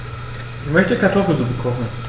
Ich möchte Kartoffelsuppe kochen.